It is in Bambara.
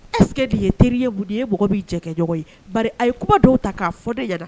Ɛsseke de ye teri yebu de yeɔgɔ b'i cɛ kɛɲɔgɔn ye ba a ye kuma dɔw ta k'a fɔ de yɛrɛ